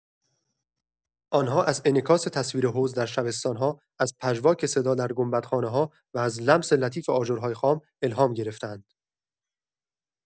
آن‌ها از انعکاس تصویر حوض در شبستان‌ها، از پژواک صدا در گنبدخانه‌ها و از لمس لطیف آجرهای خام، الهام گرفته‌اند.